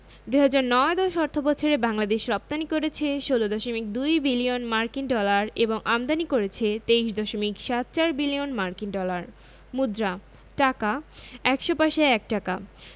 ২০০৯ ১০ অর্থবছরে বাংলাদেশ রপ্তানি করেছে ১৬দশমিক ২ বিলিয়ন মার্কিন ডলার এবং আমদানি করেছে ২৩দশমিক সাত চার বিলিয়ন মার্কিন ডলার মুদ্রাঃ টাকা ১০০ পয়সায় ১ টাকা